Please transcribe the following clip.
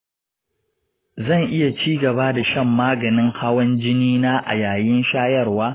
zan iya ci gaba da shan maganin hawan jini na a yayin shayarwa?